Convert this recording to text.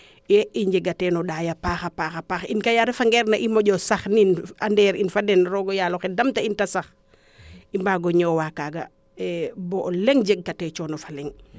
i njega teen o ndaay a paaxa paax in kay a ref ngeer na in moƴo sax in a ndeer fa den roogo yaaloxe damta in te sax o mbago ñoowa taaga bo leŋ jeg kate coono fa leŋ